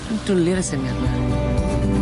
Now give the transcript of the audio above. Dwi'n dwli ar y syniad 'ny.